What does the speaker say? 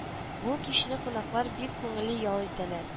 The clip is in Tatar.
Бу кичне кунаклар бик күңелле ял итәләр